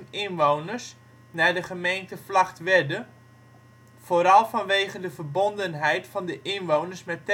inwoners naar de gemeente Vlagtwedde, vooral vanwege de verbondenheid van de inwoners met